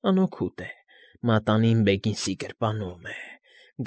Անօգուտ է։ Մատանին Բեգինս֊ս֊սի գրպանում է։